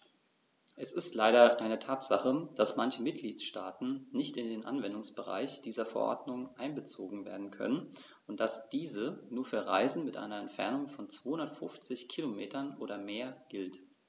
Es ist leider eine Tatsache, dass manche Mitgliedstaaten nicht in den Anwendungsbereich dieser Verordnung einbezogen werden können und dass diese nur für Reisen mit einer Entfernung von 250 km oder mehr gilt.